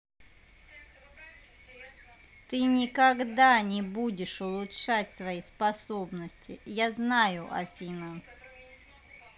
ты никогда не будешь улучшать свои способности я знаю афина